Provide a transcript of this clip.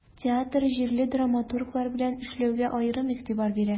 Театр җирле драматурглар белән эшләүгә аерым игътибар бирә.